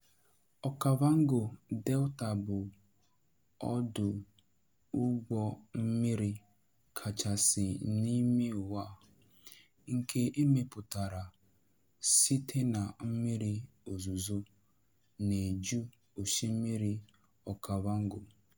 Okavango Delta bụ ọdụ ụgbọ mmiri kachasị n'ime ụwa, nke e mepụtara site na mmiri ozuzo na-eju osimiri Okavango.